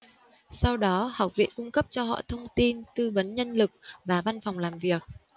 sau đó học viện cung cấp cho họ thông tin tư vấn nhân lực và văn phòng làm việc